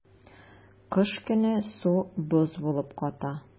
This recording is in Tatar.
Кыш көне су боз булып ката.